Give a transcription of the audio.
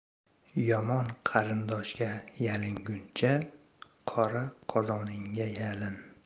yomon qarindoshga yalinguncha qora qozoningga yalin